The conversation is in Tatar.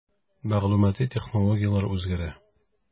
Мәгълүмати технологияләр үзгәрә.